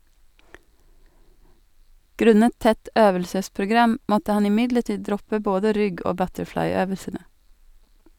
Grunnet tett øvelsesprogram måtte han imidlertid droppe både rygg- og butterfly-øvelsene.